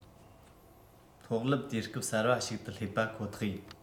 མཐོ རླབས དུས སྐབས གསར པ ཞིག ཏུ སླེབས པ ཁོ ཐག ཡིན